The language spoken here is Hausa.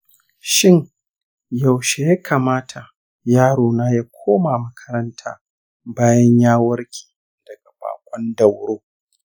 shin yaushe ya kamata yarona ya koma makaranta bayan ya warke daga bakon dauro?